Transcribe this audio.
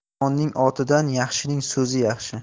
yomonning otidan yaxshining so'zi yaxshi